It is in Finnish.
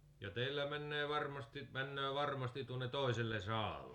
ja teillä menee varmasti menee varmasti tuonne toiselle sadalle